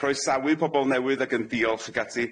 croesawu pobol newydd ag yn diolch ag ati,